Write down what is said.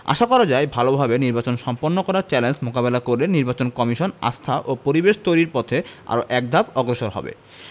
আশা করা যায় ভালোভাবে নির্বাচন সম্পন্ন করার চ্যালেঞ্জ মোকাবেলা করে নির্বাচন কমিশন আস্থা ও পরিবেশ তৈরির পথে আরো একধাপ অগ্রসর হবে